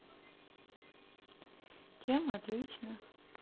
чем отлично